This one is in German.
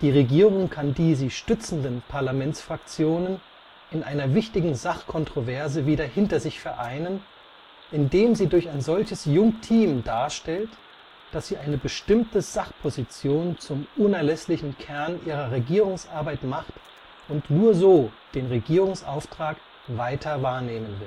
Regierung kann die sie stützenden Parlamentsfraktionen in einer wichtigen Sachkontroverse wieder hinter sich vereinen, indem sie durch ein solches Junktim klarstellt, dass sie eine bestimmte Sachposition zum unerlässlichen Kern ihrer Regierungsarbeit macht und nur so den Regierungsauftrag weiter wahrnehmen